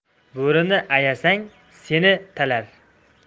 bo'rini ayasang seni talar